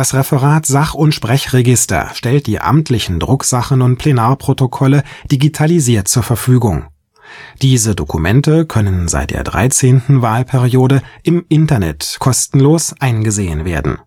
Referat Sach - und Sprechregister stellt die Amtlichen Drucksachen und Plenarprotokolle digitalisiert zur Verfügung. Diese Dokumente können seit der 13. Wahlperiode im Internet kostenlos eingesehen werden